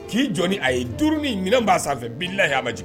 K'i jɔn a ye duurunin minɛn ba' san sanfɛ binla'a ma jigin